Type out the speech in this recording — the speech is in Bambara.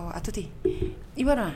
A to ten i'